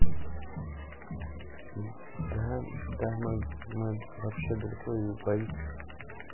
да да мы мы вообще далеко и боится